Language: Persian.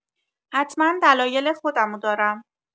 حتما دلایل خودمو دارم!